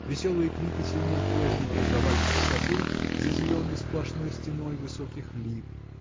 веселые клики сильнее прежнего раздавались в саду за зеленой сплошной стеной высоких лип.